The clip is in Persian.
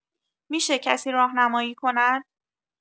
می‌شه کسی راهنمایی کند؟